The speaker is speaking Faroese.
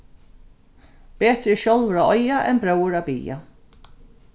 betri er sjálvur at eiga enn bróður at biðja